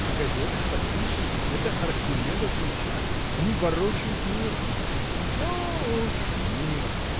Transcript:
О газетах потише — это Архимедов рычаг: они ворочают миром. — Ну уж мир!